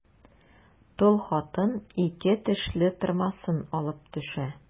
Тол хатын ике тешле тырмасын алып төшә.